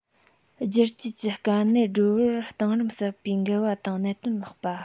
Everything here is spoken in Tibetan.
བསྒྱུར བཅོས ཀྱི དཀའ གནད སྒྲོལ བར གཏིང རིམ ཟབ པའི འགལ བ དང གནད དོན ལྷགས པ